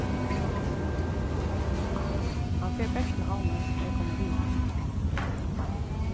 hann fer bert til havnar um eg komi við honum